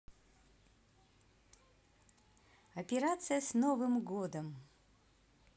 операция с новым годом